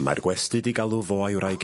Mae'r gwesty 'di galw fo a'i wraig...